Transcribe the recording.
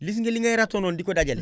gis nga li ngay râteau noonu di ko dajale